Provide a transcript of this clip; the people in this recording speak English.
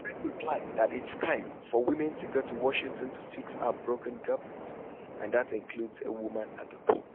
Warren replied that it's time "for women to go to Washington to fix our broken government, and that includes a woman at the top."